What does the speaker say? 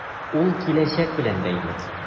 Ул киләчәк белән бәйле.